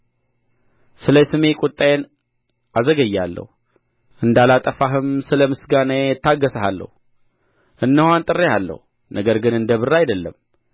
ስለ ስሜ ቍጣዬን አዘገያለሁ እንዳላጠፋህም ስለ ምስጋናዬ እታገሣለሁ እነሆ አንጥሬሃለሁ ነገር ግን እንደ ብር አይደለም